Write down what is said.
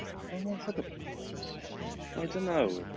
Oh that's a good point. I don't know.